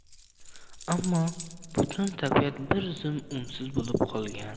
ammo butun tabiat bir zum unsiz bo'lib qolgan